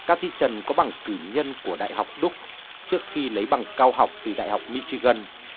ca thi trần có bằng cử nhân của đại học đúc trước khi lấy bằng cao học từ đại học mi chi gân